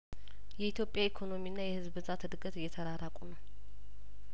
የኢትዮጵያ ኢኮኖሚና የህዝብ ብዛት እድገት እየተራራቁ ነው